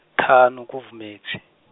ṱhanu Khubvumedzi.